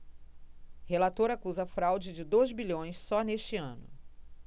relator acusa fraude de dois bilhões só neste ano